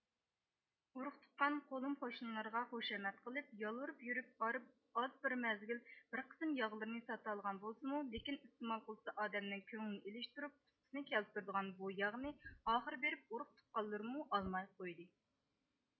ئۇرۇق تۇغقان قولۇم قوشنىلىرىغا خۇشامەت قىلىپ يالۋۇرۇپ يۈرۈپ ئاز بىر مەزگىل بىر قىسىم ياغلىرىنى ساتالىغان بولسىمۇ لېكىن ئىستېمال قىلسا ئادەمنىڭ كۆڭلىنى ئېلىشتۇرۇپ قۇسقىسىنى كەلتۈرىدىغان بۇ ياغنى ئاخىر بېرىپ ئۇرۇق تۇغقانلىرىمۇ ئالماي قويدى